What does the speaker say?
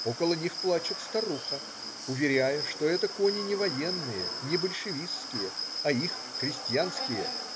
Около них плачет старуха, уверяя, что это кони не военные, не большевистские, а их, крестьянские.